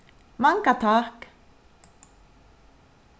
manga takk